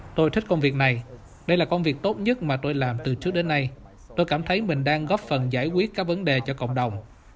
tôi thích công việc này đây là công việc tốt nhất mà tôi làm từ trước đến nay tôi cảm thấy mình đang góp phần giải quyết các vấn đề cho cộng đồng